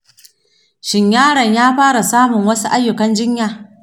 shin yaron ya fara samun wasu aiyukan jinya?